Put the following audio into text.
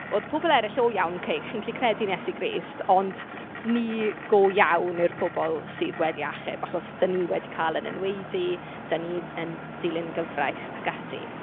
Oedd pobl eraill "o iawn ok chi'n gallu credu mewn Iesu Grist ond ni go iawn yw'r pobl sydd wedi achub, achos dan ni wedi cael ein enwaedu dan ni yn dilyn y gyfraith ag ati".